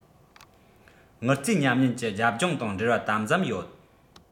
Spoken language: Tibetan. དངུལ རྩའི ཉམས ཉེན གྱི རྒྱབ ལྗོངས དང འབྲེལ བ དམ ཟབ ཡོད